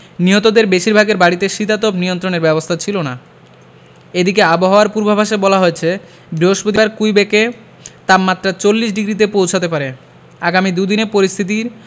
নিহতদের বেশিরভাগের বাড়িতে শীতাতপ নিয়ন্ত্রণের ব্যবস্থা ছিল না এদিকে আবহাওয়ার পূর্বাভাসে বলা হয়েছে বৃহস্পতিবার কুইবেকে তাপমাত্রা ৪০ ডিগ্রিতে পৌঁছাতে পারে আগামী দু'দিনে পরিস্থিতির